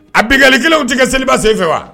A bɛɛgali kelenw tɛ kɛ seliba sen fɛ wa